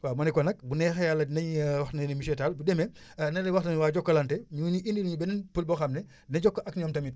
waaw ma ne ko nag bu neexee yàlla dinañ wax monsieur Tall bu demee na leen wax ne waa Jokalante ñooñu indilñu beneen pël boo xam ne dina jokkoo ak ñoom tamit